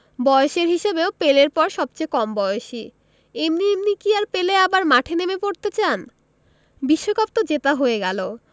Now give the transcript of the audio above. বয়সের হিসাবেও পেলের পর সবচেয়ে কম বয়সী এমনি এমনি কি আর পেলে আবার মাঠে নেমে পড়তে চান বিশ্বকাপ তো জেতা হয়ে গেল